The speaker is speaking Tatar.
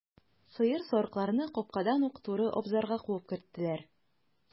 Сыер, сарыкларны капкадан ук туры абзарга куып керттеләр.